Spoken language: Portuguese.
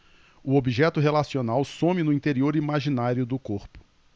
o objeto relacional some no interior imaginário do corpo